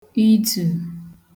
idtù